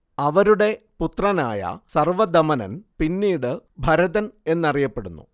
അവരുടെ പുത്രനായ സർവദമനൻ പിന്നീടു ഭരതൻ എന്നറിയപ്പെടുന്നു